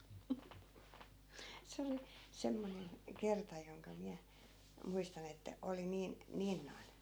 se oli semmoinen kerta jonka minä muistan että oli niin niin noin